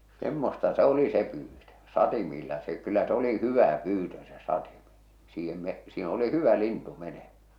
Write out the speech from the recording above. semmoista se oli se pyytö satimilla se kyllä se oli hyvä pyytö se satimen siihen - siinä oli hyvä lintu menemään